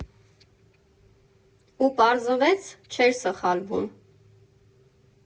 Ու պարզվեց՝ չէ՜ր սխալվում»։